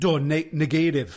Do, ne- negeiddif.